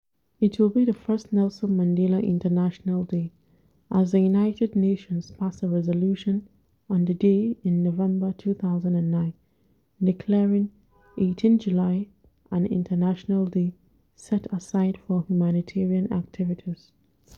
It will be the first Nelson Mandela International Day, as the United Nations passed a resolution on the day in November 2009, declaring 18 July an international day set aside for humanitarian activities.